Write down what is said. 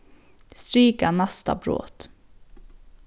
strika næsta brot